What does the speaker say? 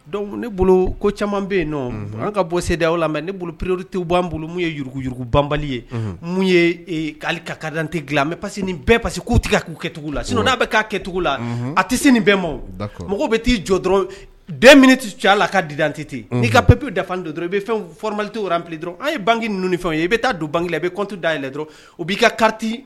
Dɔnku ne bolo ko caman bɛ yen nɔn an ka bɔ seda la mɛ ne bolo pereoro te b'an bolo ye yuruguurugu banbali ye ye' ka ka dante dilan bɛ nin bɛɛ pa k'u tigɛ k'u kɛcogo la sin n'a bɛ k' kɛcogo la a tɛ se nin bɛnma mɔgɔw bɛ t'i jɔ dɔrɔn bɛɛ minti cɛ la ka di dante yen n'i ka p pepi dafa dɔ dɔrɔn i bɛ fɛn foroma tɛ ple dɔrɔn an ye bange ninnu fɛn ye i bɛ taa don bangekela bɛ kɔntu dayɛlɛn dɔrɔn o b'i ka kariti